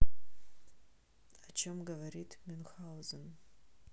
о чем говорит мюнхгаузен